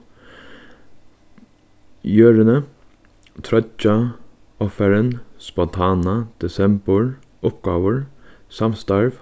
jørðini troyggja ovfarin spontana desembur uppgávur samstarv